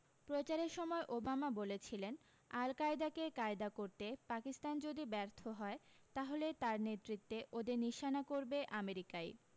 প্রচারের সময় ওবামা বলেছিলেন আল কায়দাকে কায়দা করতে পাকিস্তান যদি ব্যর্থ হয় তাহলে তাঁর নেতৃত্বে ওদের নিশানা করবে আমেরিকাই